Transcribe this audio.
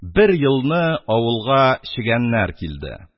Бер елны авылга чегәннәр килде.